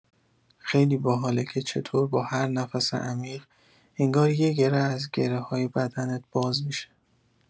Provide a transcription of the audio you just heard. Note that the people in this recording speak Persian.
خیلی باحاله که چطور با هر نفس عمیق، انگار یه گره از گره‌های بدنت باز می‌شه.